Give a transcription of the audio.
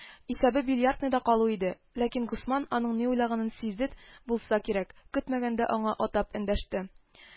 Исәбе бильярдныйда калу иде, ләкин госман аның ни уйлаганын сизде булса кирәк, көтмәгәндә аңа атап эндәште: